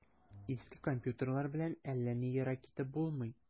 Иске компьютерлар белән әллә ни ерак китеп булмый.